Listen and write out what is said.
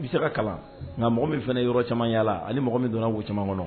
I bɛ se ka kalan nka mɔgɔ min fana yɔrɔ caman yala ani mɔgɔ min donna wo caman kɔnɔ